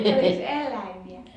olikos eläimiä